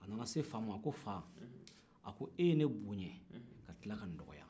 a nana se fa ma ko fa a ko e ye ne bonya ka tila ka n dɔgɔya